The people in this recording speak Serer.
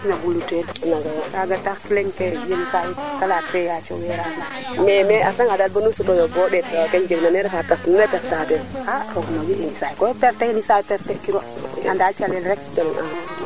Fatou Tall o Ndoundokh i nga a ye foga na ɗinga le meke kama Ndoundokh te ref a ɗinga maak o cegu solo aussi i nga e tamit a kan suto njirño feet i nga a aussi o arroser a manam refe ka ando naye cono yo na nuun mais kan ndoxan wa ƴeawa mbiya tout